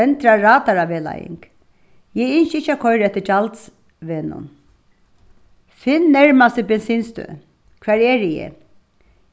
tendra radaravegleiðing eg ynski ikki at koyra eftir gjaldsvegnum finn nærmasti bensinstøð hvar eri eg